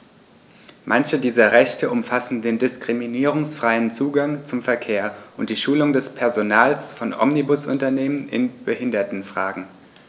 Manche dieser Rechte umfassen den diskriminierungsfreien Zugang zum Verkehr und die Schulung des Personals von Omnibusunternehmen in Behindertenfragen.